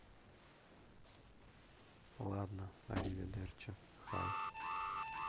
ладно аривидерчи хай